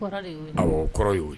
A kɔrɔ ye'o